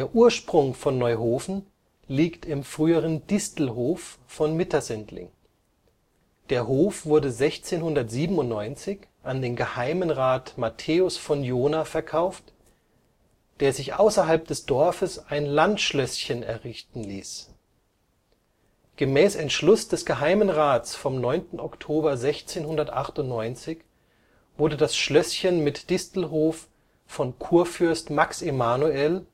Ursprung von Neuhofen liegt im früheren Distelhof von Mittersendling. Der Hof wurde 1697 an den geheimen Rat Matheus von Joner verkauft, der sich außerhalb des Dorfes ein Landschlösschen errichten ließ. Gemäß Entschluss des geheimen Rats vom 9. Oktober 1698 wurde das Schlösschen mit Distelhof von Kurfürst Max Emanuel